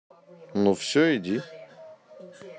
ну все иди